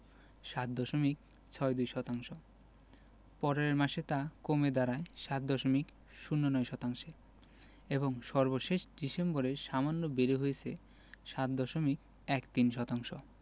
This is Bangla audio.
৭ দশমিক ৬২ শতাংশ পরের মাসে তা কমে দাঁড়ায় ৭ দশমিক ০৯ শতাংশে এবং সর্বশেষ ডিসেম্বরে সামান্য বেড়ে হয়েছে ৭ দশমিক ১৩ শতাংশ